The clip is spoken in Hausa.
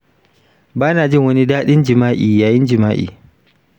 ba na jin wani daɗin jima’i yayin jima’i.